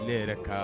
Ale yɛrɛ ka